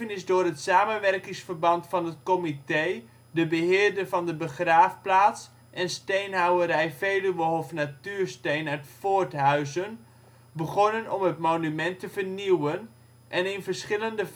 is door het samenwerkingsverband van het comité, de beheerder van de begraafplaats en steenhouwerij Veluwehof Natuursteen uit Voorthuizen begonnen om het monument te vernieuwen, en in verschillende